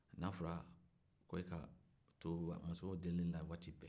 n'a fɔra ko e k'a to muso bɛ denkundila waati min